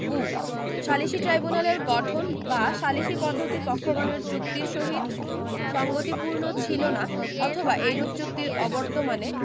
উ সালিসী ট্রাইব্যুনালের গঠন বা সালিসী পদ্ধতি পক্ষগণের চুক্তির সহিত সংগতিপূর্ণ ছিল না অথবা এইরূপ চুক্তির অবর্তমানে